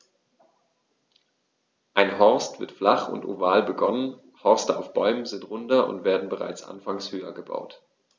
Ein Horst wird flach und oval begonnen, Horste auf Bäumen sind runder und werden bereits anfangs höher gebaut.